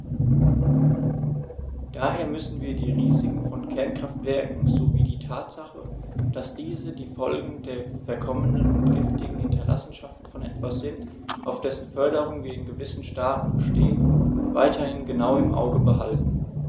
Daher müssen wir die Risiken von Kernkraftwerken sowie die Tatsache, dass diese die Folgen der verkommenen und giftigen Hinterlassenschaften von etwas sind, auf dessen Förderung wir in gewissen Staaten bestehen, weiterhin genau im Auge behalten.